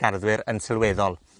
garddwyr yn sylweddol.